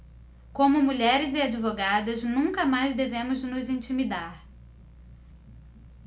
como mulheres e advogadas nunca mais devemos nos intimidar